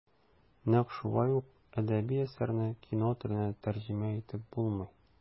Нәкъ шулай ук әдәби әсәрне кино теленә тәрҗемә итеп булмый.